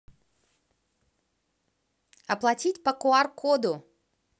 оплатить по куар коду